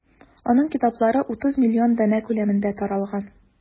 Аның китаплары 30 миллион данә күләмендә таралган.